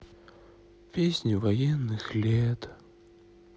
песни военных лет